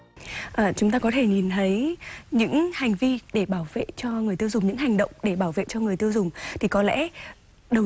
ờ chúng ta có thể nhìn thấy những hành vi để bảo vệ cho người tiêu dùng những hành động để bảo vệ cho người tiêu dùng thì có lẽ đầu